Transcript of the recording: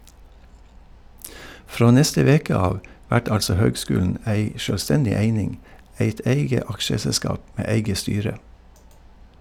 Frå neste veke av vert altså høgskulen ei sjølvstendig eining, eit eige aksjeselskap med eige styre.